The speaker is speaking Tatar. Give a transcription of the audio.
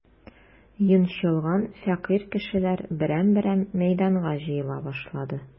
Йончылган, фәкыйрь кешеләр берәм-берәм мәйданга җыела башлады.